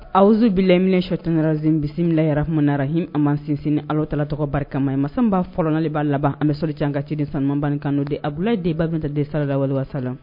an b'an sinsin ni Alahu taala tɔgɔ barikama ye mansa min b'a fɔlɔ n'ale b'a laban an bɛ sɔli caman an ka ciden sanumanba in kan n' o de ye Abudulayi den Baminata den